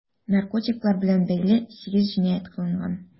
Наркотиклар белән бәйле 8 җинаять кылынган.